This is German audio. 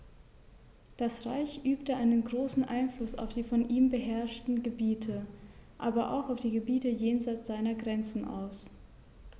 Das Reich übte einen großen Einfluss auf die von ihm beherrschten Gebiete, aber auch auf die Gebiete jenseits seiner Grenzen aus.